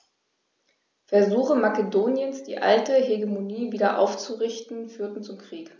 Versuche Makedoniens, die alte Hegemonie wieder aufzurichten, führten zum Krieg.